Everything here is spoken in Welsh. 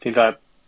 Ti''tha